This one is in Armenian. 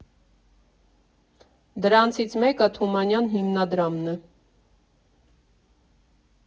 Դրանցից մեկը Թումանյան հիմնադրամն է։